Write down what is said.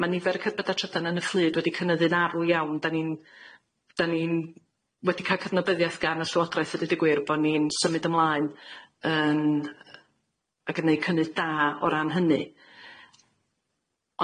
ma' nifer y cerbyda trydan yn y fflyd wedi cynyddu'n arw iawn dyn ni'n dyn ni'n wedi ca'l cydnabyddiaeth gan y Llywodraeth a deud y gwir bo' ni'n symud ymlaen yn ag yn neu' cynnydd da o ran hynny,